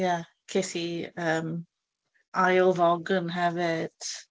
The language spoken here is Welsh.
Ie, ces i, yym, ail ddogn hefyd.